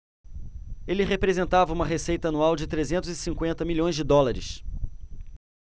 ele representava uma receita anual de trezentos e cinquenta milhões de dólares